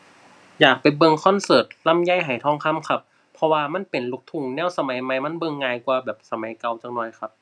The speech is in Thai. อยากไปเบิ่งคอนเสิร์ตลำไย ไหทองคำ ครับ เพราะว่ามันเป็นลูกทุ่งแนวสมัยใหม่ มันเบิ่งง่ายกว่าแบบสมัยเก่าจักหน่อยครับ